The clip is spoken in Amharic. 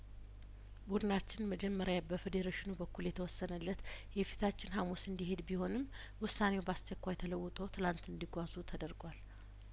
ቡድናችን መጀመሪያ በፌዴሬሽኑ በኩል የተወሰነለት የፊታችን ሀሙስ እንዲሄድ ቢሆንም ውሳኔው በአስቸኳይ ተለውጦ ትላንት እንዲጓዙ ተደርጓል